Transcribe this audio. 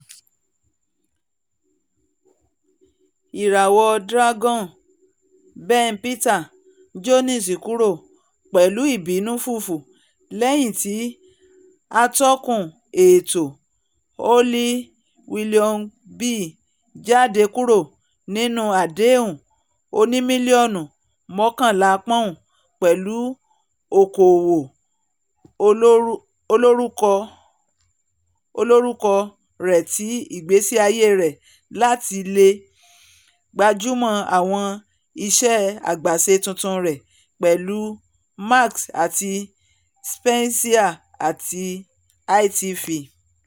Ìràwọ̀ Dragons Den Peter Jones kúrò pẹ̀lú 'ìbínú fùfù' lẹ́yìn tí atọ́kùn ètò Holly Willoughby jáde kúrò nínú àdéhùn oní-mílíọ̀nù mọ́kànlà pọ́ùn pẹ̀lú oko-òwò olorúkọ rẹ̀ ti ìgbésí-ayé rẹ̀ láti leè gbájúmọ́ àwọn iṣẹ́ àgbàṣe tuntun rẹ̀ pẹ̀lú Marks and Spencer àti ITV